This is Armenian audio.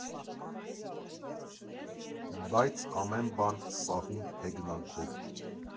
Բայց ամեն բան՝ սահուն հեգնանքով։